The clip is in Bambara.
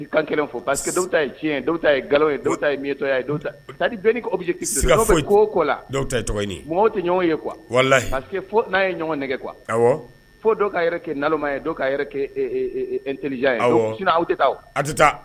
Pa dɔw ta ye tiɲɛ dɔw ta ye ta mi ta ko mɔgɔw tɛ ɲɔgɔn ye pa n'a ye ɲɔgɔn nɛgɛgɛ fo dɔw ka kɛ nama ye ka kɛ terieli ye tɛ taa